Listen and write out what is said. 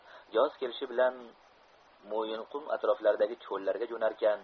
yoz kelishi bilan mo'yinqum atroflaridagi cho'llarga jo'narkan